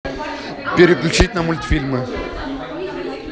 переключить на мультфильмы